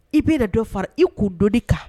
I bɛ dɔ fara i k'u dondi kan